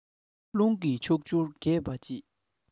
རླུང གིས ཕྱོགས བཅུར རྒྱས པར བྱེད